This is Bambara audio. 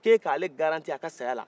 k'e k'ale garanti a ka saya la